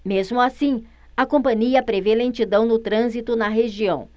mesmo assim a companhia prevê lentidão no trânsito na região